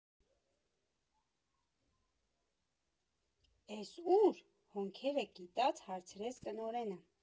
Էս ու՞ր, ֊ հոնքերը կիտած հարցրեց տնօրենը։